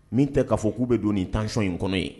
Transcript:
Min tɛ k'a fɔ k'u bɛ don ninc in kɔnɔ ye